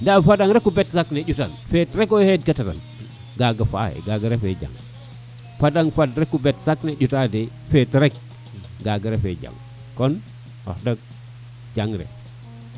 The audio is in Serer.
nda fadan rek o bet saak le ƴutan feet rek o wet katinan kaga faxe kaga refe jam fadang fad rek o mbekan sac le ƴuta de feet rek gaga refe jam kon wax deg jangre